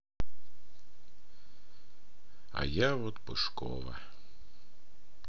а я вот пушкова